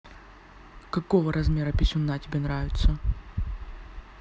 какого размера писюна тебе нравится